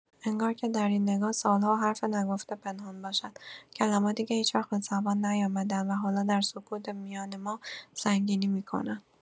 انگار که در این نگاه، سال‌ها حرف نگفته پنهان باشد، کلماتی که هیچ‌وقت به زبان نیامده‌اند و حالا در سکوت میان ما سنگینی می‌کنند.